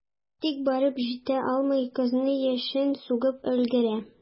Тик барып җитә алмый, кызны яшен сугып өлгерә.